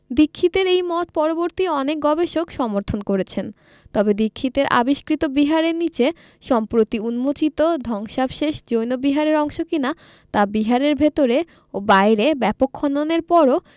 দীক্ষিতের এই মত পরবর্তী অনেক গবেষক সমর্থন করেছেন তবে দীক্ষিতের আবিষ্কৃত বিহারের নিচে সম্প্রতি উন্মোচিত ধ্বংসাবশেষ জৈন বিহারের অংশ কিনা তা বিহারের ভেতরে ও বাইরে ব্যাপক খননের পরই